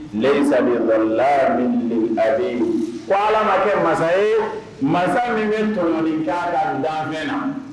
lesabɔ la ko ala ma kɛ masa ye masa min bɛ tɔɔni ka daminɛ na